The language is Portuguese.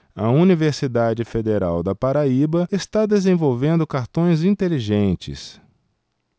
a universidade federal da paraíba está desenvolvendo cartões inteligentes